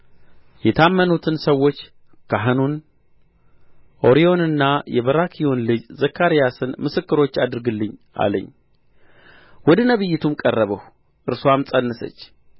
የታመኑትን ሰዎች ካህኑን ኦርዮንና የበራክዩን ልጅ ዘካርያስን ምስክሮች አድርግልኝ አለኝ ወደ ነቢይቱም ቀረብሁ እርስዋም ፀነሰች